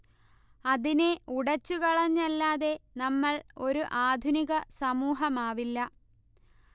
അതിനെ ഉടച്ചു കളഞ്ഞല്ലാതെ നമ്മൾ ഒരു ആധുനിക സമൂഹമാവില്ല